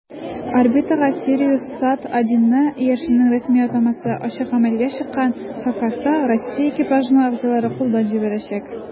Орбитага "СириусСат-1"ны (иярченнең рәсми атамасы) ачык галәмгә чыккач ХКС Россия экипажының әгъзалары кулдан җибәрәчәк.